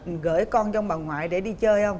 gởi con trong ông bà ngoại để đi chơi hông